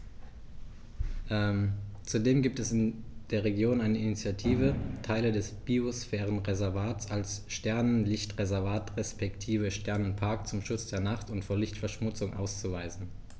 Zudem gibt es in der Region eine Initiative, Teile des Biosphärenreservats als Sternenlicht-Reservat respektive Sternenpark zum Schutz der Nacht und vor Lichtverschmutzung auszuweisen.